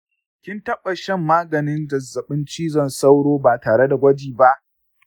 kin taɓa shan maganin zazzabin cizon sauro ba tare da gwaji ba?